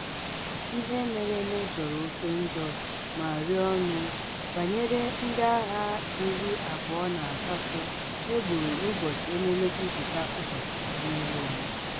Ihe mere eme jọrọ oke njọ ma rie ọnụ banyere ndị agha 28 e gburu n'Ụbọchị Emume Nncheta Ụbọchị Nnwereonwe